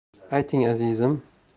ayting azizim